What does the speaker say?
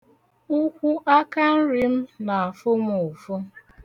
Ụkwụ akanri m na-afụ m ụfụ.